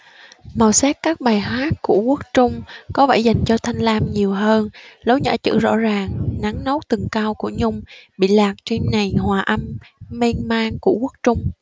màu sắc các bài hát của quốc trung có vẻ dành cho giọng thanh lam nhiều hơn lối nhả chữ rõ ràng nắn nót từng câu của nhung bị lạc trên nền hòa âm mênh mang của quốc trung